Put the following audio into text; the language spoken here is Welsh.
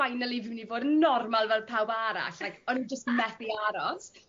Finally fi myn' i bod yn normal fel pawb arall like o'n i jyst methu aros.